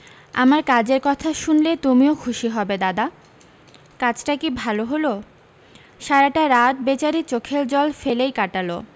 আমার কাজের কথা শুনলে তুমিও খুশি হবে দাদা কাজটা কী ভাল হল সারাটা রাত বেচারি চোখের জল ফেলেই কাটাল